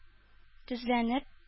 Тезләнеп